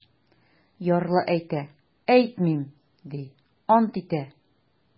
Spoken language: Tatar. Ярлы әйтә: - әйтмим, - ди, ант итә.